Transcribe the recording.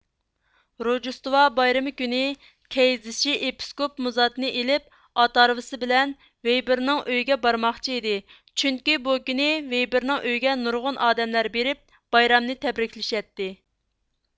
روژدوستىۋا بايرىمى كۈنى كەيزىشى ئىپىسكوپ مۇزاتنى ئېلىپ ئات ھارۋىسى بىلەن ۋىيبىرنىڭ ئۆيىگە بارماقچى ئىدى چۈنكى بۇ كۈنى ۋىيبىرنىڭ ئۆيىگە نۇرغۇن ئادەملەر بېرىپ بايرامنى تەبرىكلىشەتتى